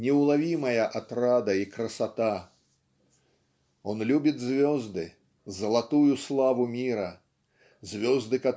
неуловимая отрада и красота. Он любит звезды "золотую славу мира" звезды